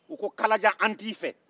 u ko kalajan an t'i fɛ